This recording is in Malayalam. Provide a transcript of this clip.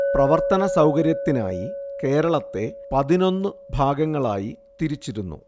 പ്രവർത്തന സൗകര്യത്തിനായി കേരളത്തെ പതിനൊന്നും ഭാഗങ്ങളായി തിരിച്ചിരുന്നു